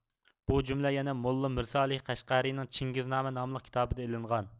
بۇ جۈملە يەنە موللا مىرسالىھ قەشقەرىنىڭ چىڭگىزنامە ناملىق كىتابىدا ئېلىنغان